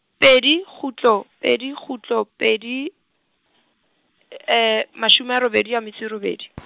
pedi kgutlo pedi kgutlo pedi, mashome a robedi a metso e robedi .